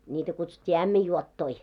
niitä kutsuttiin ämmänjuottoja